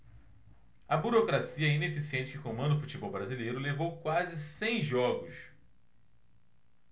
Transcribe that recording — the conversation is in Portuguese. a burocracia ineficiente que comanda o futebol brasileiro levou quase cem jogos